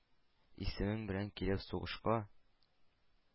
Исемең белән килеп сугышка,